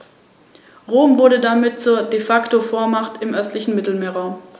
Aus diesen ergibt sich als viertes die Hinführung des Besuchers zum praktischen Naturschutz am erlebten Beispiel eines Totalreservats.